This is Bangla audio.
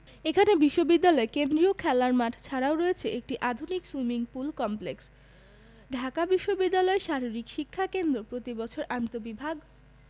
এখানে বিশ্ববিদ্যালয় কেন্দ্রীয় খেলার মাঠ ছাড়াও রয়েছে একটি আধুনিক সুইমিং পুল কমপ্লেক্স ঢাকা বিশ্ববিদ্যালয় শারীরিক শিক্ষা কেন্দ্র প্রতিবছর আন্তঃবিভাগ